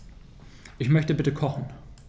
Ich möchte bitte kochen.